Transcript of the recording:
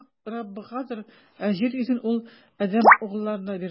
Күк - Раббыгадыр, ә җир йөзен Ул адәм угылларына бирде.